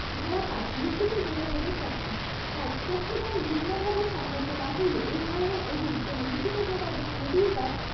ধারা ৫ লিখিত যোগাযোগের প্রাপ্তিঃ ১ পক্ষগণ ভিন্নভাবে সম্মত না হইলে এই আইনের অধীন কোন লিখিত যোগাযোগ নোটিশ বা